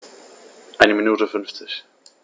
Eine Minute 50